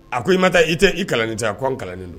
A ko i ma taa i tɛ i kalan nin ta a ko' kalan nin don